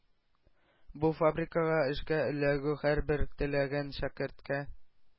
Бу фабрикага эшкә эләгү һәрбер теләгән шәкерткә